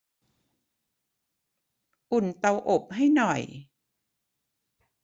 อุ่นเตาอบให้หน่อย